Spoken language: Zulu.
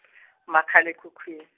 makhal'ekhukhwini .